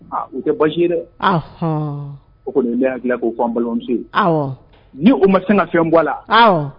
O tɛ baasi ye d,ɛ , ɔnhɔnn, o kɔni ye ne hakilina ta ye k'o fɔ an balimamuso ye, onhɔnn, ni o ma se ka fɛn bɔ a la , awɔ.